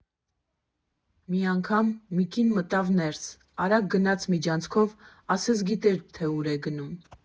«Մի անգամ մի կին մտավ ներս, արագ գնաց միջանցքով՝ ասես գիտեր, թե ուր է գնում։